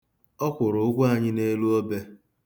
Ọ kwụrụ ụgwọ anyị n'elu obe.